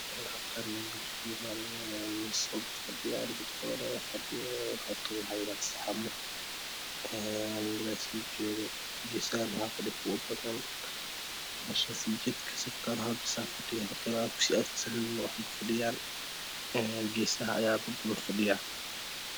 Halkaan meel la isugu imaaday waaye sidoo kale dad fadhiyaan dad faro badan ayaa fadhiyo hortooda waxaa yaalo saxamo dadaa sii jeedo geesahana waxaa ku dhagan kuwo badan meeshaan sii jeedka hal bisaa fadgiyo gadaalna wax ma fadhiyaan geesaha ayaa dad badan fadhiyaan